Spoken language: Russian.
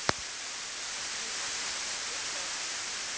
сумерки все части